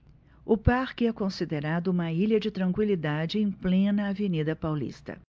o parque é considerado uma ilha de tranquilidade em plena avenida paulista